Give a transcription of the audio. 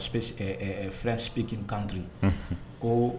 Filɛsigin kanto ko